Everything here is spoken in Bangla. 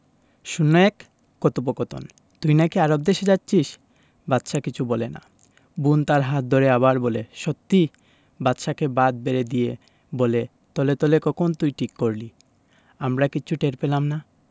০১ কথোপকথন তুই নাকি আরব দেশে যাচ্ছিস বাদশা কিছু বলে না বোন তার হাত ধরে আবার বলে সত্যি বাদশাকে ভাত বেড়ে দিয়ে বলে তলে তলে কখন তুই ঠিক করলি আমরা কিচ্ছু টের পেলাম না